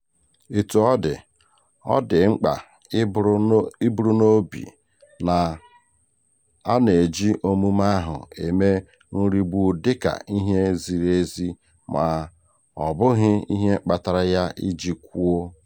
Etu ọ dị, ọ dị mkpa iburu n'obi na a na-eji omume ahụ eme nrigbu dịka ihe ziri ezi ma ọ bụghị ihe kpatara ya iji kwuo.